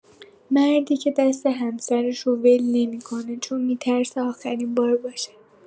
مردی که دست همسرشو ول نمی‌کنه چون می‌ترسه آخرین‌بار باشه.